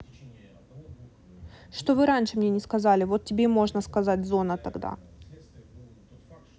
что вы раньше мне не сказали вот тебе и можно сказать зона тогда